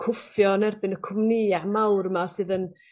cwffio yn erbyn y cwmnia mawr 'ma sydd yn